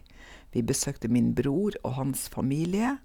Vi besøkte min bror og hans familie.